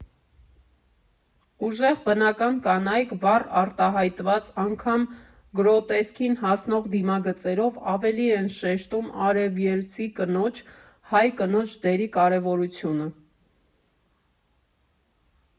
Ուժեղ, բնական կանայք՝ վառ արտահայտված՝ անգամ գրոտեսկին հասնող դիմագծերով ավելի են շեշտում արևելցի կնոջ, հայ կնոջ դերի կարևորությունը։